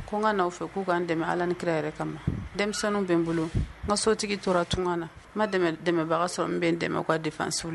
Ko n ka n'aw fɛ k'u ka dɛmɛ ala ni kira yɛrɛ kama denmisɛnninw bɛ n bolo n sotigi tora tun na n ma dɛmɛbaga sɔrɔ n bɛ n dɛmɛ'a de so la